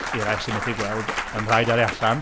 I'r rhai sy'n methu gweld mae'n nhraed ar ei allan...